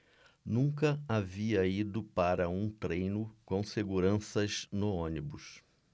nunca havia ido para um treino com seguranças no ônibus